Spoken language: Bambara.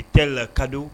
I tɛ la kadi